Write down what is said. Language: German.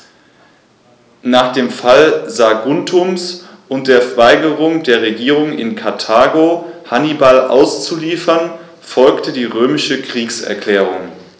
Nach dem Fall Saguntums und der Weigerung der Regierung in Karthago, Hannibal auszuliefern, folgte die römische Kriegserklärung.